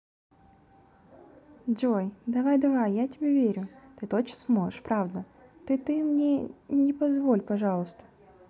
джой давай давай я тебе верю ты точно сможешь правда ты ты мне не позволь пожалуйста